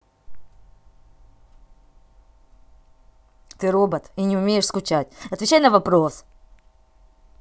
ты робот и не умеешь скучать отвечай на вопрос